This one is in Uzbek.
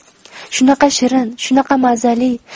shunaqa shirin shunaqa mazali